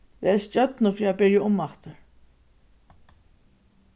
vel stjørnu fyri at byrja umaftur